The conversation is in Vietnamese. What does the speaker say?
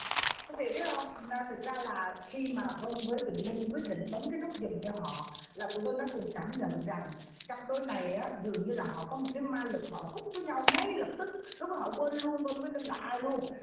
quý vị biết không thực ra là khi mà vân với quyền linh quyết định bấm cái nút giùm cho họ là tụi vân đã cùng cảm nhận rằng cặp đôi này á dường như là họ có một cái ma lực họ hút với nhau ngay lập tức lúc đó họ quên luôn vân với linh là ai luôn